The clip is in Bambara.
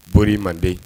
Bori manden